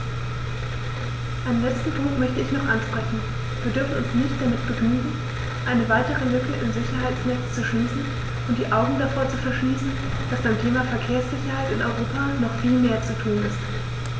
Einen letzten Punkt möchte ich noch ansprechen: Wir dürfen uns nicht damit begnügen, eine weitere Lücke im Sicherheitsnetz zu schließen und die Augen davor zu verschließen, dass beim Thema Verkehrssicherheit in Europa noch viel mehr zu tun ist.